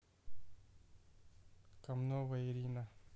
комнова ирина